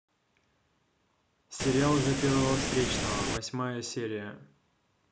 сериал за первого встречного восьмая серия